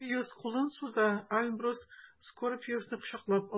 Скорпиус кулын суза, Альбус Скорпиусны кочаклап ала.